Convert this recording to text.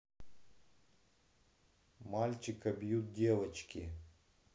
мальчика бьют девочки